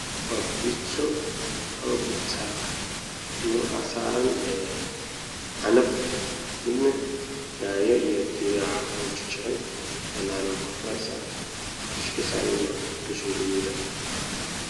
Waa pizza cinab saaranyahay